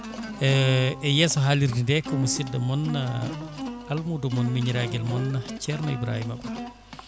e yesso haalirde nde ko musidɗo moon alamudo moon miñiraguel moon ceerno Ibrahima